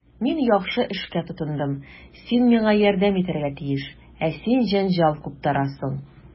Мин яхшы эшкә тотындым, син миңа ярдәм итәргә тиеш, ә син җәнҗал куптарасың.